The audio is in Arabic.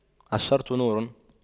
الشرط نور